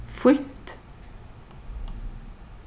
fínt